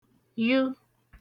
yụ